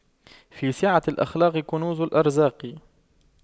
في سعة الأخلاق كنوز الأرزاق